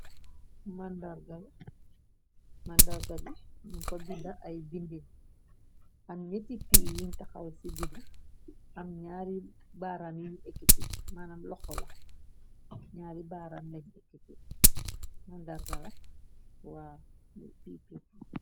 Màndargagu nu ko bidda ay bindin am ñetti pii yuñ taxaw ci digg am ñaari baarami yu ekkiti manam loxo la ñaari baaram lañ ekktimandargala waabu ppp.